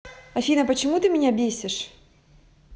афина почему ты меня бесишь